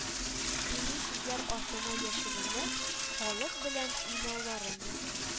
Дини сүзләр артына яшеренеп, халык белән уйнауларын